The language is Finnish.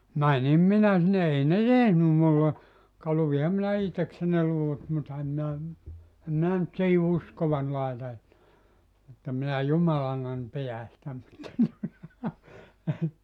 menin minä sinne ei ne tehnyt minulle ka luinhan minä itsekseni ne luvut mutta en minä en minä nyt siihen uskoani laita että että minä jumalanani pidän sitä mutta tuota